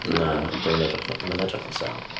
Na 'di o'm yn edrych... ma'n edrych yn sâl...